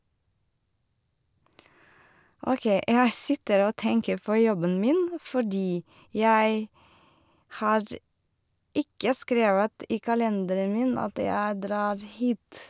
OK, jeg sitter og tenker på jobben min fordi jeg har ikke skrevet i kalenderen min at jeg drar hit.